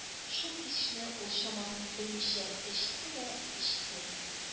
Шул кичне ул чамасын белмичә эчте дә эчте;